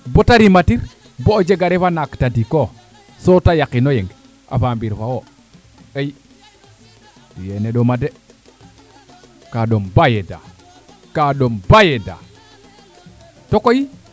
boto rima tin bo o jega a ref naak tadiko so te yaqin o jeng a faamir fo wo ay tiyeene ɗoma de ka ɗom baa yeda ka ɗom baa yeda to koy